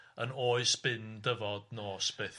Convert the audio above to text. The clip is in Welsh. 'Yn oes bun dyfod nos byth.'